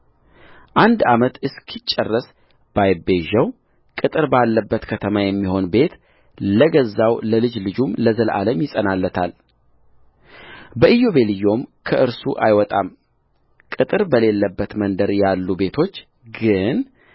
አንድ ዓመትም እስኪጨረስ ባይቤዠው ቅጥር ባለበት ከተማ የሚሆን ቤት ለገዛው ለልጅ ልጁ ለዘላለም ይጸናለታል በኢዮቤልዩም ከእርሱ አይወጣምቅጥር በሌለበት መንደር ያሉ ቤቶች ግን